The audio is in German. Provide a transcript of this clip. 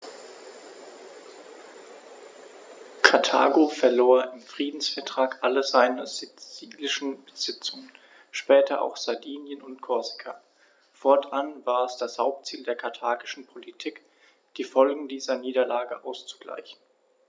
Karthago verlor im Friedensvertrag alle seine sizilischen Besitzungen (später auch Sardinien und Korsika); fortan war es das Hauptziel der karthagischen Politik, die Folgen dieser Niederlage auszugleichen.